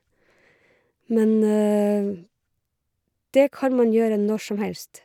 Men det kan man gjøre når som helst.